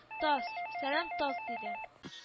— таз! сәлам, таз! — диде